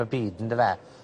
y byd yndyfe?